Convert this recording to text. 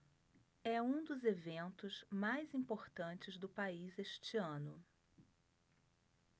é um dos eventos mais importantes do país este ano